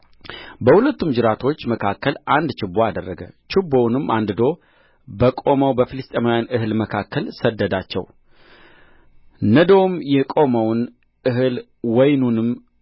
በሁለቱም ጅራቶች ማካከል አንድ ችቦ አደረገ ችቦውንም አንድዶ በቆመው በፍልስጥኤማውያን እህል መካከል ሰደዳቸው ነዶውንም የቆመውንም እህል ወይኑንም